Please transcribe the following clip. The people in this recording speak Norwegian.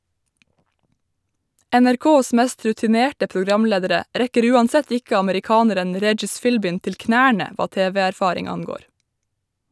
NRKs mest rutinerte programledere rekker uansett ikke amerikaneren Regis Philbin til knærne hva TV-erfaring angår.